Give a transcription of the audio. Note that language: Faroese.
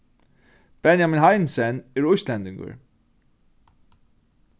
benjamin heinesen er íslendingur